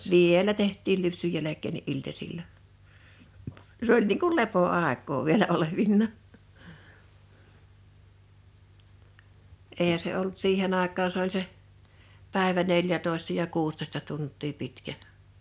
vielä tehtiin lypsyn jälkeenkin iltasilla se oli niin kuin lepoaikaa vielä olevinaan eihän se ollut siihen aikaan se oli se päivä neljätoista ja kuusitoista tuntia pitkä